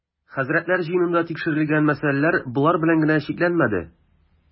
Хәзрәтләр җыенында тикшерел-гән мәсьәләләр болар белән генә чикләнмәде.